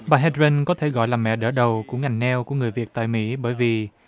bà he rân có thể gọi là mẹ đỡ đầu của ngành neo của người việt tại mỹ bởi vì